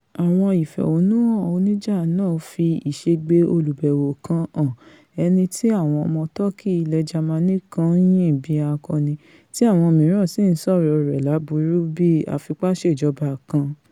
Àwọn ìfẹ̀hónúhàn oníjà náà fi ìṣègbè olùbẹ̀wò kan hàn ẹniti àwọn ọmọ Tọki ilẹ̀ Jamani kan ńyìn bí akọni tí àwọn mìíràn sì ńsọ̀rọ̀ rẹ̀ láburú bí afipáṣejọba kan.